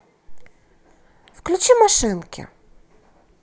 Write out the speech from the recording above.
включи машинки